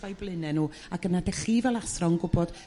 o'u bleine nhw ac yna dych chi fel atho'n gw'bod